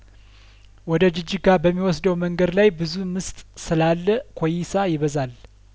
ወደ ጂጂጋ በሚወስደው መንገድ ላይ ብዙ ምስጥ ስላለ ኩይሳ ይበዛል